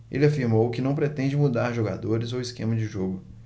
ele afirmou que não pretende mudar jogadores ou esquema de jogo